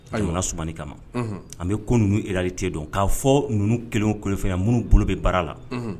Su kama an bɛ ko ninnulite dɔn k'a fɔ ninnu kelen kolonfɛn yan minnu bolo bɛ baara la